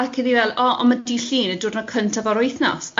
Ac o'n i fel, o, ond ma' dydd Llun y diwrnod cyntaf o'r wythnos.